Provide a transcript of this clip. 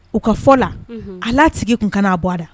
U ka fɔ la a'a sigi tun ka'a bɔ a da